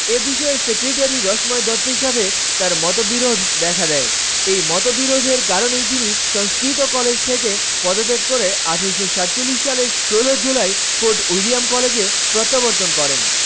এ বিষয়ে সেক্রেটারি রসময় দত্তের সাথে তার মতবিরোধ দেখা দেয় এই মতবিরোধের কারণেই তিনি সংস্কৃত কলেজ থেকে পদত্যাগ করে ১৮৪৭ সালে ১৬ জুলাই ফোর্ট উইলিয়াম কলেজে প্রত্যাবর্তন করেন